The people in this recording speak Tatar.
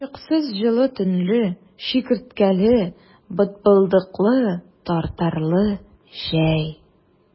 Чыксыз җылы төнле, чикерткәле, бытбылдыклы, тартарлы җәй!